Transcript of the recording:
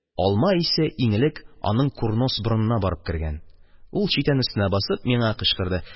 Алма исе иң элек аның курнос борынына барып кергән, ул, читән өстенә басып, миңа кычкырды: